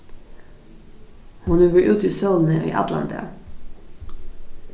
hon hevur verið úti í sólini í allan dag